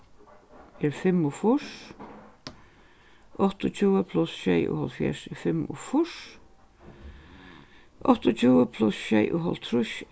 er fimmogfýrs áttaogtjúgu pluss sjeyoghálvfjerðs er fimmogfýrs áttaogtjúgu pluss sjeyoghálvtrýss